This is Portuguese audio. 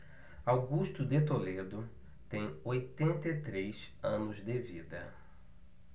augusto de toledo tem oitenta e três anos de vida